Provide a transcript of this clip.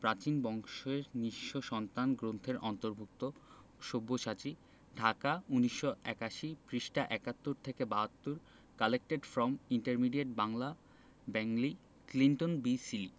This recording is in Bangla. প্রাচীন বংশের নিঃস্ব সন্তান গ্রন্থের অন্তর্ভুক্ত সব্যসাচী ঢাকা ১৯৮১ পৃঃ ৭১ থেকে ৭২ collected from intermediate Bangla Bengali Clinton B Seely